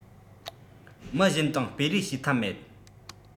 མི གཞན དང སྤེལ རེས བྱས ཐབས མེད